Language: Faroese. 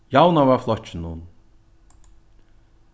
javnaðarflokkinum